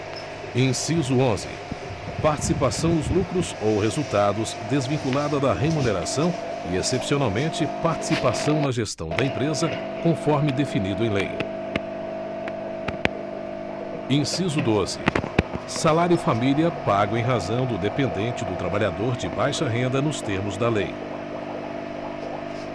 inciso onze participação nos lucros ou resultados desvinculada da remuneração e excepcionalmente participação na gestão da empresa conforme definido em lei inciso doze salário família pago em razão do dependente do trabalhador de baixa renda nos termos da lei